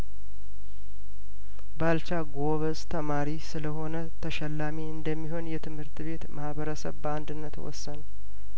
ባልቻ ጐበዝ ተማሪ ስለሆነ ተሸላሚ እንደሚሆን የትምህርት ቤት ማህበረሰብ በአንድነት ወሰኑ